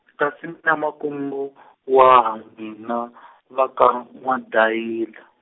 kasi mi na makungu , wa ha, n'wina , va ka, waDayila?